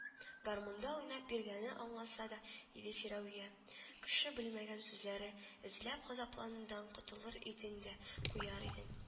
Гармунда уйнап биргәне аңласа да иде Фирәвия, – кеше белмәгән сүзләре эзләп газапланудан котылыр идең дә куяр идең